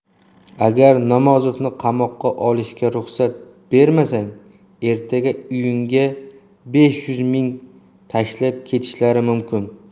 agar namozovni qamoqqa olishga ruxsat bermasang ertaga uyingga besh yuz ming tashlab ketishlari mumkin